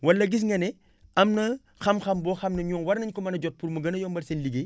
wala gis nga ne am na xam-xam boo xam ne ñoom war nañu ko mën a jot pour mu gën a yombal seen liggéey